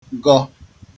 gọ